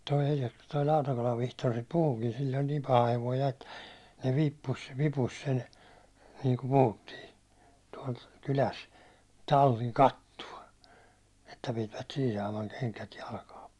tuo - tuo Lautakolan Vihtori sitä puhuikin sillä oli niin paha hevonen ja että ne - vipusi sen niin kuin puhuttiin tuolla kylässä tallin kattoon että pitivät siinä saaman kengät jalkaan